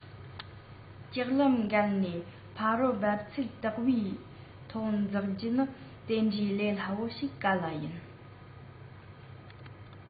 ལྕགས ལམ བརྒལ ནས ཕ རོལ འབབ ཚུགས སྟེགས བུའི ཐོག འཛེགས རྒྱུ ནི དེ འདྲའི ལས སླ པོ ཞིག ག ལ ཡིན